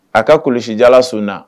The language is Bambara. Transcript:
A ka kulusijalaso na